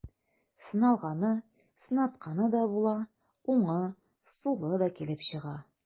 Сыналганы, сынатканы була, уңы, сулы да килеп чыга.